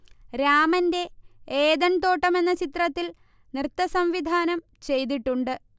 രാമന്റെ ഏദൻതോട്ടം എന്ന ചിത്രത്തിൽ നൃത്തസംവിധാനം ചെയ്തിട്ടുണ്ട്